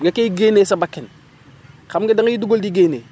nga koy génne sa bakkan xam nga dangay dugal di génne